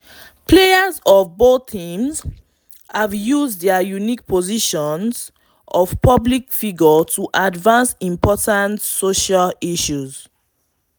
Players from both teams have used their unique positions of public figures to advance important social issues.